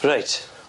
Reit.